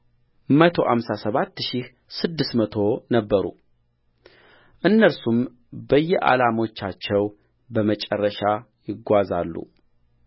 መቶ አምሳ ሰባት ሺህ ስድስት መቶ ነበሩ እነርሱም በየዓላሞቻቸው በመጨረሻ ይጓዛሉ